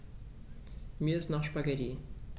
Mir ist nach Spaghetti.